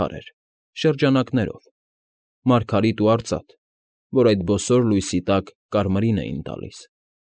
Քարեր՝ շրջանակներով, մարգարիտ ու արծաթ, որ այդ բոսոր լույսի տակ կարմիրին էին տալիս։